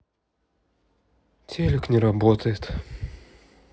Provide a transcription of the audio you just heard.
телик не работает